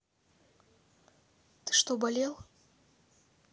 ты что болел